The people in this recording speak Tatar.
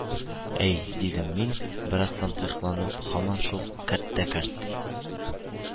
- әй, - дидем мин, бераз сантыйкланып, - һаман шул кәрт тә кәрт